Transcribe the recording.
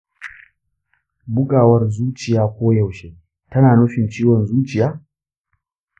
bugawar zuciya koyaushe tana nufin ciwon zuciya?